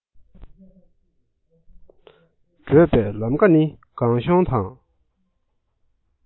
བགྲོད པའི ལམ ཀ ནི སྒང གཤོང དང